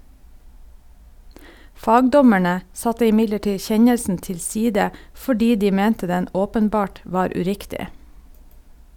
Fagdommerne satte imidlertid kjennelsen tilside, fordi de mente den åpenbart var uriktig.